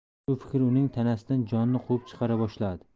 shu fikr uning tanasidan jonni quvib chiqara boshladi